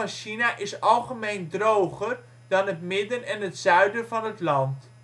China is algemeen droger dan het midden en het zuiden van het land